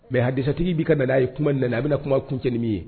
Mais hadisatigi bi ka na na ye . Kuma nana . A bi na kuma kuncɛ ni min ye.